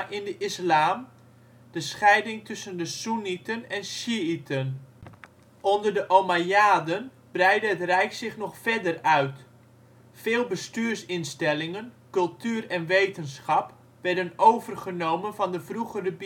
in de islam: de scheiding tussen de soennieten en sjiieten. Onder de Omajjaden breidde het rijk zich nog verder uit. Veel bestuursinstellingen, cultuur en wetenschap werden overgenomen van de vroegere